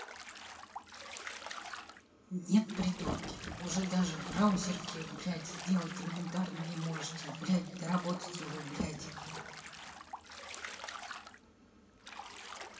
нет придурки уже даже браузерки блять сделать элементарно не можете блять доработать его блять